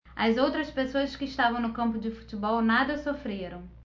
as outras pessoas que estavam no campo de futebol nada sofreram